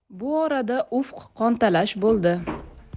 bu orada ufq qontalash bo'ldi